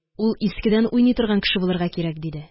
Ул искедән уйный торган кеше булырга кирәк, – диде.